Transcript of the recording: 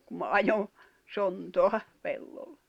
kun minä ajoin sontaa pellolle